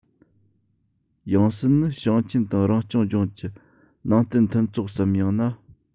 ཡང སྲིད ནི ཞིང ཆེན དང རང སྐྱོང ལྗོངས ཀྱི ནང བསྟན མཐུན ཚོགས སམ ཡང ན